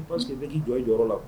I'seke bɛ' jɔ jɔyɔrɔ la